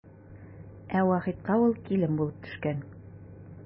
Ә Вахитка ул килен булып төшкән.